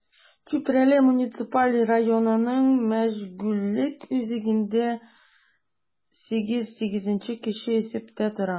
Чүпрәле муниципаль районының мәшгульлек үзәгендә 88 кеше исәптә тора.